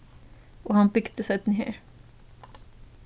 og hann bygdi seinni har